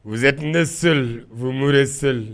Uzet seli wbururee seli